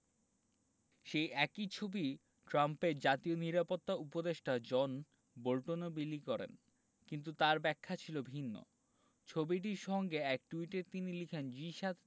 সেই একই ছবি ট্রাম্পের জাতীয় নিরাপত্তা উপদেষ্টা জন বোল্টনও বিলি করেন কিন্তু তাঁর ব্যাখ্যা ছিল ভিন্ন ছবিটির সঙ্গে এক টুইটে তিনি লেখেন জি ৭